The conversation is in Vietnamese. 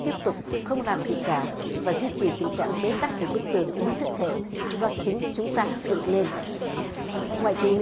tiếp tục không làm gì cả và duy trì tình trạng bế tắc với bức tường ý thức hệ do chính chúng ta dựng lên ngoại trưởng mỹ